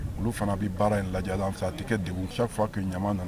Olu fana bɛ baara in lajɛ la a tɛ kɛ ten chaque fois que Ɲama nana